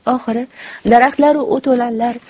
oxiri daraxtlaru o't o'lanlar